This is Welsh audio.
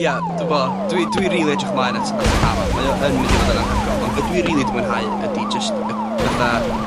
ie, dw'bo. Dwi dwi rili edrych mlaen at at yr ha' 'ma. Mae o yn mynd i fod yn anhygol. Ond, a dwi rili 'di mwynhau, ydi jyst y fatha